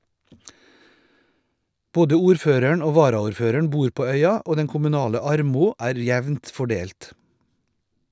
Både ordføreren og varaordføreren bor på øya, og den kommunale armod er jevnt fordelt.